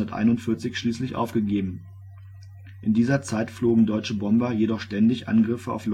1941 schließlich aufgegeben. In dieser Zeit flogen deutsche Bomber jedoch ständig Angriffe auf